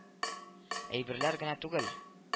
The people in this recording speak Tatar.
Әйберләр генә түгел